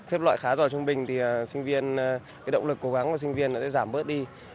xếp loại khá giỏi trung bình thì sinh viên cái động lực cố gắng của sinh viên nó sẽ giảm bớt đi